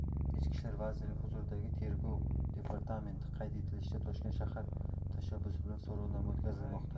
ichki ishlar vazirligi huzuridagi tergov departamenti qayd etilishicha toshkent shahar tashabbusi bilan so'rovnoma o'tkazilmoqda